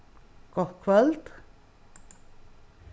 gott kvøld